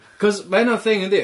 Cos ma' hynna'n thing yndi?